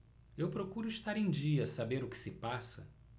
eu procuro estar em dia saber o que se passa